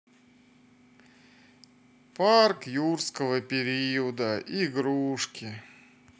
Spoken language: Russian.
парк юрского периода игрушки